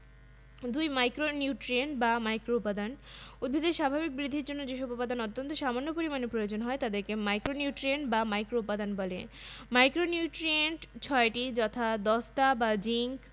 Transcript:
এ ১৬টি পুষ্টি উপাদানকে সমষ্টিগতভাবে অত্যাবশ্যকীয় উপাদান বলা হয় এই উপাদানগুলো সব ধরনের উদ্ভিদের স্বাভাবিক বৃদ্ধি শারীরবৃত্তীয় কাজ এবং প্রজননের জন্য প্রয়োজন